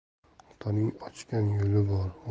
otaning ochgan yo'li bor